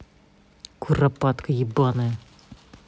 куропатка ебаная